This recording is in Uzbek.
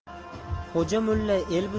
xo'ja mulla el buzar